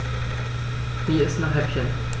Mir ist nach Häppchen.